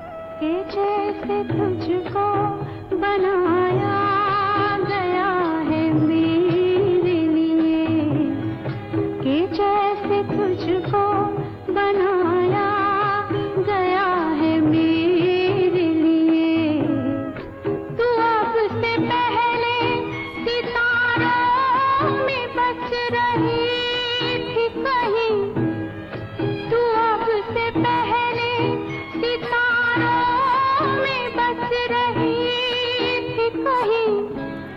Se maa mɛ ye i cɛ se maa se tile ye yo nk tile yo bɛ se yo yo tile se yo min bɛ se yo